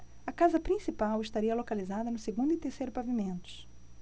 a casa principal estaria localizada no segundo e terceiro pavimentos